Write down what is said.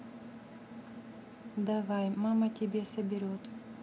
давай мама тебе соберет